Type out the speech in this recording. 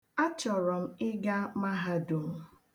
A chọrọ m ịga Mahadum.